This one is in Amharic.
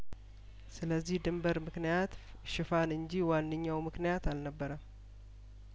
ስለዚህ ድንበርምክንያት ሽፋን እንጂ ዋነኛውምክንያት አልነበረም